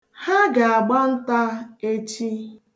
Ha ga-agba nta echi.